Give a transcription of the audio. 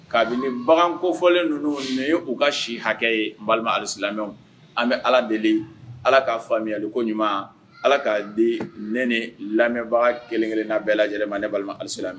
Kabini bagan kofɔlen ninnu nin ye u ka si hakɛ ye balima alisila an bɛ ala deli ala k'a faamuyaya ale ko ɲuman ala k' di nɛnɛ lamɛnbaga kelenkelen n'a bɛɛ lajɛlen ma ne balima alisalamɛ